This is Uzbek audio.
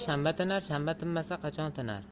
shanba tinmasa qachon tinar